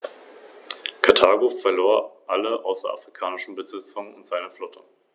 Landkreise, Kommunen, Vereine, Verbände, Fachbehörden, die Privatwirtschaft und die Verbraucher sollen hierzu ihren bestmöglichen Beitrag leisten.